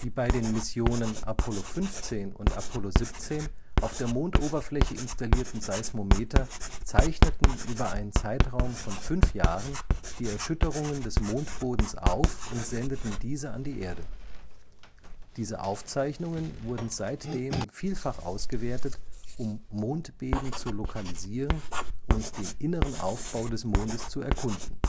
bei den Missionen Apollo 15 und Apollo 17 auf der Mondoberfläche installierten Seismometer zeichneten über einen Zeitraum von fünf Jahren die Erschütterungen des Mondbodens auf und sendeten diese an die Erde. Diese Aufzeichnungen wurden seitdem vielfach ausgewertet, um Mondbeben zu lokalisieren und den inneren Aufbau des Mondes zu erkunden